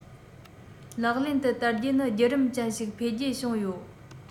ལག ལེན དུ བསྟར རྒྱུ ནི རྒྱུད རིམ ཅན ཞིག འཕེལ རྒྱས བྱུང ཡོད